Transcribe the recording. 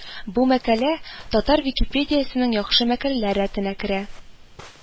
Бу мәкалә Татар Википедиясенең яхшы мәкаләләр рәтенә керә